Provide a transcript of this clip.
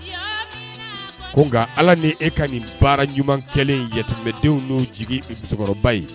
Nka ala ni e ka nin baara ɲuman kɛlen yatɛmɛdenw n'o jigi musokɔrɔba ye